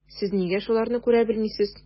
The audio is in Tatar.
Сез нигә шуларны күрә белмисез?